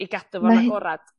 i gadw fo'n agorad.